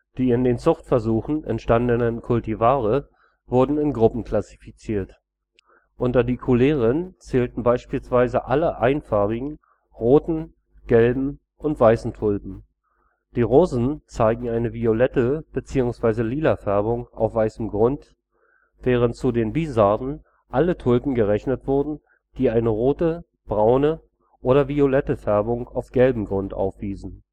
Die in den Zuchtversuchen entstandenen Cultivare wurden in Gruppen klassifiziert: Unter die Couleren zählten beispielsweise alle einfarbigen roten, gelben und weißen Tulpen, die Rozen zeigten eine violette bzw. lila Färbung auf weißem Grund, während zu den Bizarden alle Tulpen gerechnet wurden, die eine rote, braune oder violette Färbung auf gelbem Grund aufwiesen